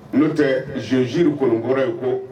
N'o tɛ z zur kɔnɔnkura ye kɔ